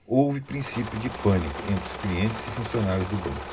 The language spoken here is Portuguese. houve princípio de pânico entre os clientes e funcionários do banco